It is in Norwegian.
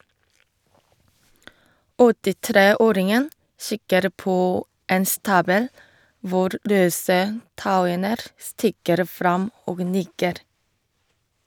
83-åringen kikker på en stabel hvor løse tauender stikker fram , og nikker.